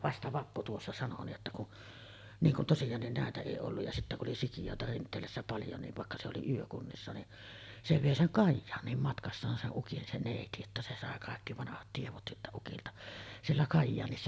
vasta Vappu tuossa sanoi niin että kun niin kun tosiaankin näitä ei ollut ja sitten kun oli sikiöitä Rinteelässä paljon niin vaikka se oli yökunnissa niin se vei sen Kajaaniin matkassaan sen ukin se neiti että se sai kaikki vanhat tiedot siltä ukilta siellä Kajaanissa